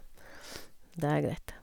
Det er greit.